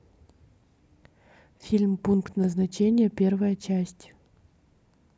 фильм пункт назначения первая часть